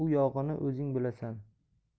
u yog'ini o'zing bilasan